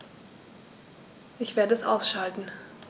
Ich werde es ausschalten